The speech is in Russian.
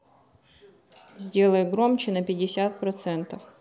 сделай громче на пятьдесят процентов